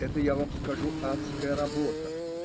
Это, я вам скажу, адская работа.